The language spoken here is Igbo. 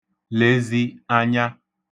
lezi anya